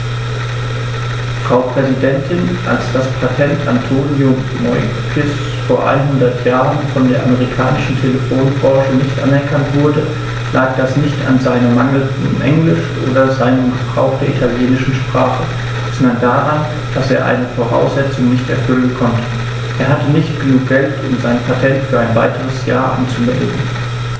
Frau Präsidentin, als das Patent Antonio Meuccis vor einhundert Jahren von der amerikanischen Telefonbranche nicht anerkannt wurde, lag das nicht an seinem mangelnden Englisch oder seinem Gebrauch der italienischen Sprache, sondern daran, dass er eine Voraussetzung nicht erfüllen konnte: Er hatte nicht genug Geld, um sein Patent für ein weiteres Jahr anzumelden.